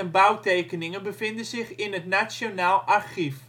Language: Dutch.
bouwtekeningen bevinden zich in het Nationaal Archief